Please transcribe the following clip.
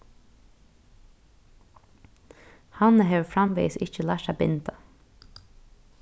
hanna hevur framvegis ikki lært at binda